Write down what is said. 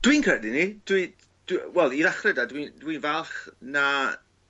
Dwi'n credu 'ny. Dwi dwi wel i ddechre 'dy dwi dwi'n falch na